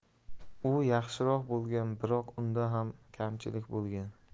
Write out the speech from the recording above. u yaxshiroq bo'lgan biroq unda ham kamchilik bo'lgan